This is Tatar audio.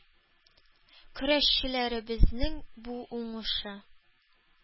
Көрәшчеләребезнең бу уңышы –